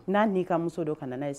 N'a n'i ka muso dɔ fana' ye